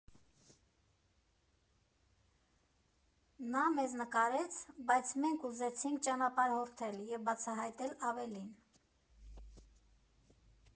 Նա մեզ նկարեց, բայց մենք ուզեցինք ճանապարհորդել և բացահայտել ավելին։